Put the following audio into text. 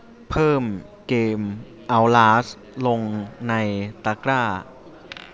เพิ่มเกมเอ้าลาสลงในตะกร้า